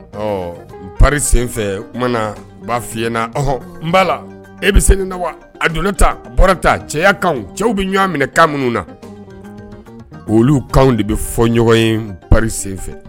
Ɔ pari senfɛ o tumana u b'a f'i ɲɛ na ɔhɔn n b'a la e bɛ se ni na wa a donna tan a bɔra tan cɛya kanw cɛw bɛ ɲɔgɔn minɛ kan minnuw na olu kan de bɛ fɔ ɲɔgɔn ye pari senfɛ.